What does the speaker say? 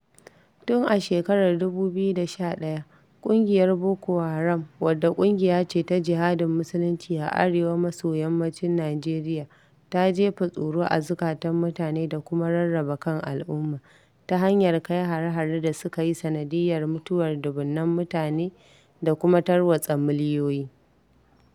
Tun a shekarar 2011 ƙungiyar Boko Haram, wadda ƙungiya ce ta jihadin musulunci a Arewa-maso-yammacin Nijeriya ta jefa tsoro a zukatan mutane da kuma rarraba kan al'umma ta hanyar kai hare-hare da suka yi sanadiyyar mutuwar dubunan mutane da kuma tarwatsa miliyoyi.